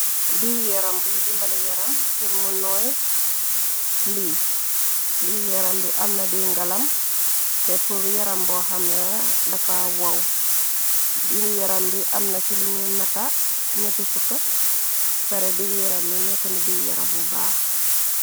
Diiw-yaram bu dimbala yaram pur mu nooy liis, diiw yaram bi amna diw ngalam te pur yaram boo xamna dafa wow, diiw-yaram bi amna ci lañuy nata, ñyetti fukk pare diiw-yaram yi nekk na diiw-yaram bu baax.